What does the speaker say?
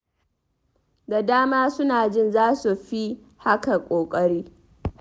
Da dama suna jin za su fi haka ƙoƙari.